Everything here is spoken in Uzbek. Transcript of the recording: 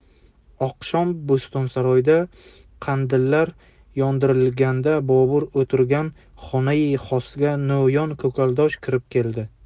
oqshom bo'stonsaroyda qandillar yondirilganda bobur o'tirgan xonai xosga no'yon ko'kaldosh kirib keldi